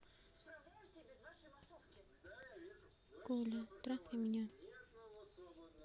коля трахни меня